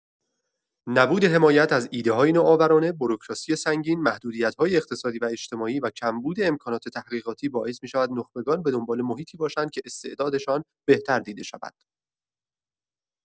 نبود حمایت از ایده‌های نوآورانه، بروکراسی سنگین، محدودیت‌های اقتصادی و اجتماعی، و کمبود امکانات تحقیقاتی باعث می‌شود نخبگان به دنبال محیطی باشند که استعدادشان بهتر دیده شود.